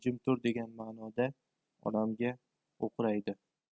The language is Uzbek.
degan manoda onamga o'qraydi